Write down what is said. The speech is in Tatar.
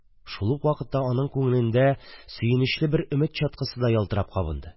Шул ук вакытта, аның күңелендә бер өмет чаткысы да ялтырап кабынды.